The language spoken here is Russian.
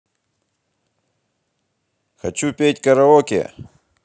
хочу петь караоке